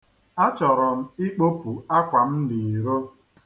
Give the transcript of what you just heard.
Achọrọ m ikpopụ akwa m n'iro.